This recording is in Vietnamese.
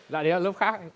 dạ đấy là lớp khác ạ